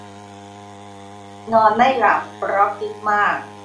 นอนไม่หลับเพราะคิดมาก